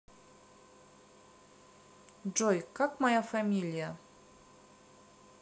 джой как моя фамилия